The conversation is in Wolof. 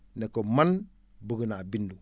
ne ko man bëgg naa bindu